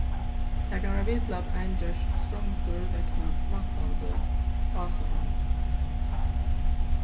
tað kann vera við til at ein gerst strongdur vegna vantandi ásannan